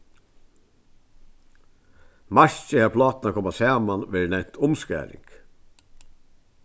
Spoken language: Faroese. markið har pláturnar koma saman verður nevnt umskaring